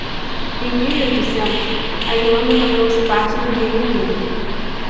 em mil e oitocentos a irlanda tornou-se parte do reino unido